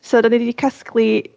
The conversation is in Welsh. So dan ni 'di casglu...